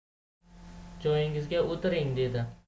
joyingizga o'tiring dedi